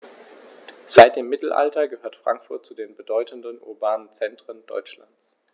Seit dem Mittelalter gehört Frankfurt zu den bedeutenden urbanen Zentren Deutschlands.